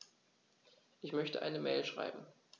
Ich möchte eine Mail schreiben.